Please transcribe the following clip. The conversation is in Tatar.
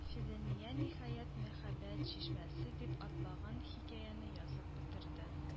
Фидания, ниһаять, "Мәхәббәт чишмәсе" дип аталган хикәяне язып бетерде.